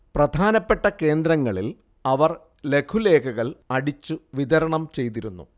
പ്രധാനപ്പെട്ട കേന്ദ്രങ്ങളിൽ അവർ ലഘുലേഖകൾ അടിച്ചു വിതരണം ചെയ്തിരുന്നു